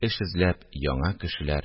Эш эзләп яңа кешеләр